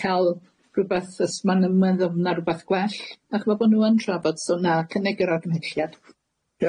ca'l rwbath os ma' nw'n meddwl ma' na rwbath gwell a ch'mo' bo' nw yn trafod so na cynnig yr argymhelliad.